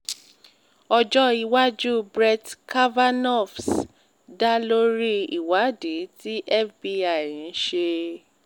Ọjọ́-iwájú Brett Kavanaugh's dálórí ìwádií tí FBI ń se